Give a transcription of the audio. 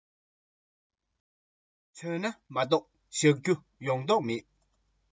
བྱོན ན མ གཏོགས བཞུགས རྒྱུ ཡོང གཏོགས མེད